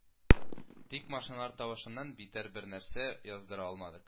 Тик машиналар тавышыннан битәр бернәрсә яздыра алмадык